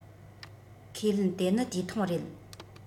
ཁས ལེན དེ ནི དུས ཐུང རེད